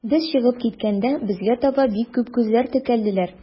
Без чыгып киткәндә, безгә таба бик күп күзләр текәлделәр.